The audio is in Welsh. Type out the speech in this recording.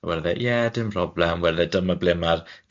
A wedodd e ie dim problem dyma ble ma'r